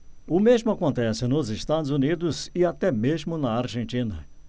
o mesmo acontece nos estados unidos e até mesmo na argentina